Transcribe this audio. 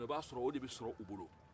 i b'a sɔrɔ o de bɛ sɔr'u bolo